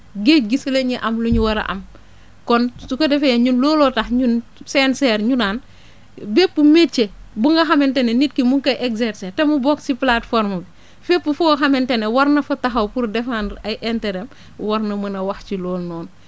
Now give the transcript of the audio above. géej gi si la ñuy am lu ñu war a am kon su ko defee énun looloo tax ñun CNCR ñu naan bépp métier bu nga xamante ni nit ki u ngi koy exercer te mu bokk si plateforme bi fépp foo xamante ne war na fa taxaw pour défendre ay intérêt am war na mën a wax ci loolu noonu